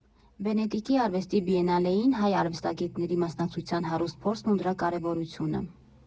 Վենետիկի արվեստի բիենալեին հայ արվեստագետների մասնակցության հարուստ փորձն ու դրա կարևորությունը։